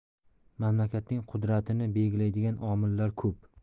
mamlakatning qudratini belgilaydigan omillar ko'p